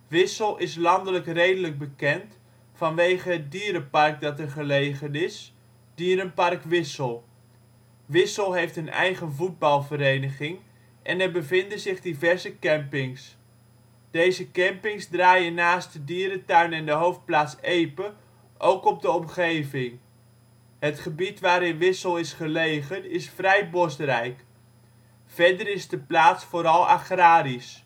Wissel is landelijk redelijk bekend vanwege het dierenpark dat er gelegen is, Dierenpark Wissel. Wissel heeft een eigen voetbalvereniging en er bevinden zich diverse campings. Deze campings draaien naast de dierentuin en de hoofdplaats Epe ook op de omgeving. Het gebied waarin Wissel is gelegen, is vrij bosrijk. Verder is de plaats vooral agrarisch